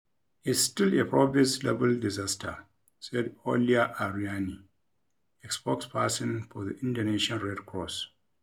"It's still a province level disaster," said Aulia Arriani, a spokesperson for the Indonesian Red Cross.